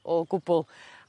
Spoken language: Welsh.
o gwbwl